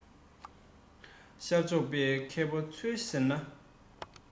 ཤར ཕྱོགས པའི མཁས པ ཚོས ཟེར ན